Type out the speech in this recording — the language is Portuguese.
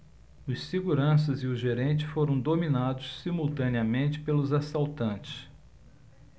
os seguranças e o gerente foram dominados simultaneamente pelos assaltantes